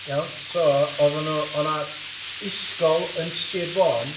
Iawn, so oedden nhw... oedd 'na ysgol yn Sir Fôn